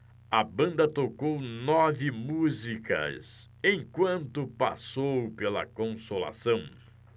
a banda tocou nove músicas enquanto passou pela consolação